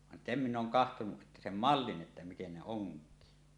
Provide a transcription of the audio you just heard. vaan sen minä olen katsonut että sen mallin että miten ne onkii